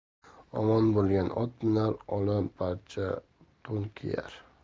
omon bo'lgan ot minar ola parcha to'n kiyar